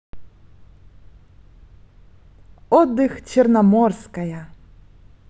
отдых черноморская